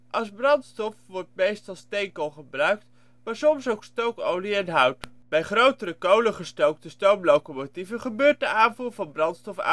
Als brandstof wordt vooral steenkool gebruikt, maar soms ook stookolie en hout. Bij grotere kolengestookte stoomlocomotieven gebeurt de aanvoer van brandstof automatisch